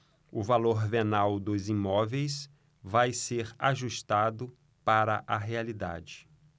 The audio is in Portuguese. o valor venal dos imóveis vai ser ajustado para a realidade